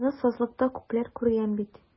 Ә аны сазлыкта күпләр күргән бит.